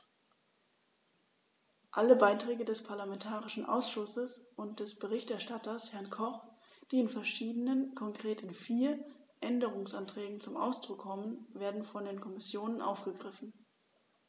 Alle Beiträge des parlamentarischen Ausschusses und des Berichterstatters, Herrn Koch, die in verschiedenen, konkret in vier, Änderungsanträgen zum Ausdruck kommen, werden von der Kommission aufgegriffen.